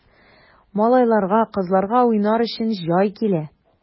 Малайларга, кызларга уйнар өчен җай килә!